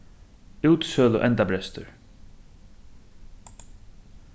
útsøluendabrestur